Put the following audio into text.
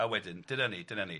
A wedyn dyna ni, dyna ni.